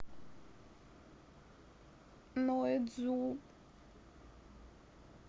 ноет зуб